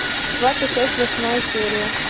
сваты шесть восьмая серия